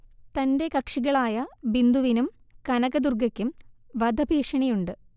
തന്റെ കക്ഷികളായ ബിന്ദുവിനും കനക ദുർഗക്കും വധഭീഷണിയുണ്ട്